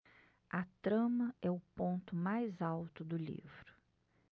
a trama é o ponto mais alto do livro